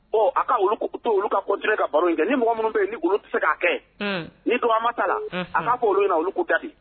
Ɔ a ka oluu to olu kat ka baro in kɛ ni mɔgɔ minnu bɛ yen ni olu tɛ se k'a kɛ ni don a ma taa la a k'a ko olu ɲɛna olu'u ka